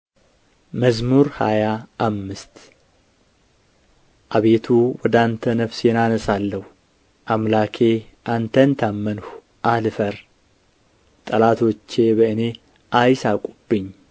መዝሙር ሃያ አምስት አቤቱ ወደ አንተ ነፍሴን አነሣለሁ አምላኬ አንተን ታመንሁ አልፈር ጠላቶቼ በእኔ አይሣቁብኝ